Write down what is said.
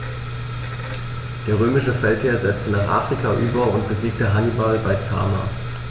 Der römische Feldherr setzte nach Afrika über und besiegte Hannibal bei Zama.